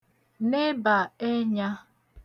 nebà ẹnyā